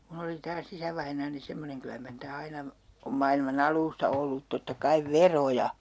minun oli taas isävainaani semmoinen kyllä mar niitä aina on maailman alusta ollut totta kai veroja